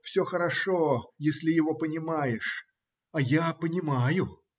Все хорошо, если его понимаешь; а я понимаю.